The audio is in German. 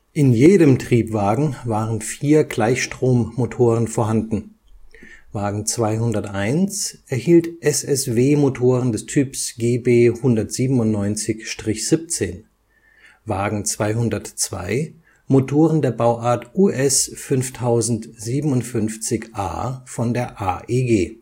In jedem Triebwagen waren vier Gleichstrommotoren vorhanden. Wagen 201 erhielt SSW-Motoren des Typs GB 197/17, Wagen 202 Motoren der Bauart US 5057 a von der AEG